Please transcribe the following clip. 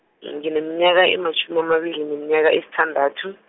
ngineminyaka ematjhumi amabili neminyaka esithandathu.